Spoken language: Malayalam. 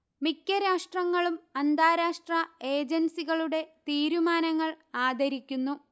മിക്കരാഷ്ട്രങ്ങളും അന്താരാഷ്ട്ര ഏജൻസികളുടെ തീരുമാനങ്ങൾ ആദരിക്കുന്നു